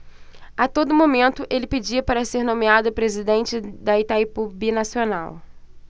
a todo momento ele pedia para ser nomeado presidente de itaipu binacional